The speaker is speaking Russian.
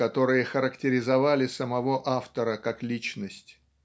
которые характеризовали самого автора как личность.